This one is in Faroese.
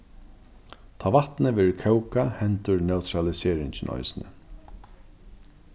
tá vatnið verður kókað hendir neutraliseringin eisini